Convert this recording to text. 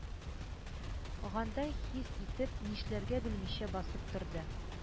Гандай хис итеп нишләргә белмичә басып торды